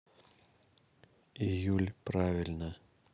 июль правильно